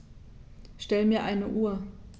Stell mir eine Uhr.